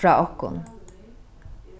frá okkum